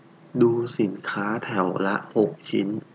ดูสินค้าแถวละหกชิ้น